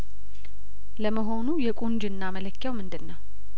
ለመሆኑ የቁንጅና መለኪያውምንድነው